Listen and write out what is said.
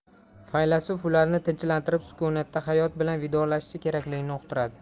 faylasuf ularni tinchlantirib sukunatda hayot bilan vidolashishi kerakligini uqtiradi